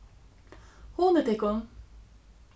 hugnið tykkum